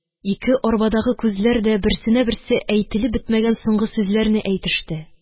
Ике арбадагы күзләр дә берсенә берсе әйтелеп бетмәгән соңгы сүзләрне әйтеште